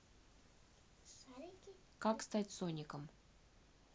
как стать соником